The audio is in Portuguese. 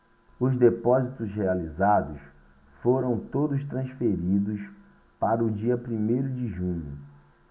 os depósitos realizados foram todos transferidos para o dia primeiro de junho